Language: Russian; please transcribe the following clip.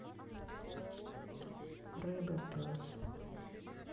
рыба пес